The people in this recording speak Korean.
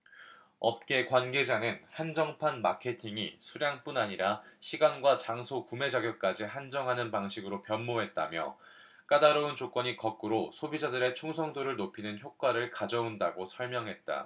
업계 관계자는 한정판 마케팅이 수량뿐 아니라 시간과 장소 구매자격까지 한정하는 방식으로 변모했다며 까다로운 조건이 거꾸로 소비자들의 충성도를 높이는 효과를 가져온다고 설명했다